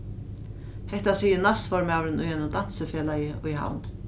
hetta sigur næstformaðurin í einum dansifelagi í havn